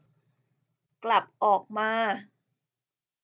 กลับออกมา